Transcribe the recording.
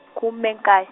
khume nkaye.